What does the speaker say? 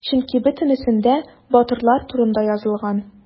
Чөнки бөтенесендә батырлар турында язылган.